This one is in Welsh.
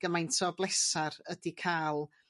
gymaint o blesar ydy ca'l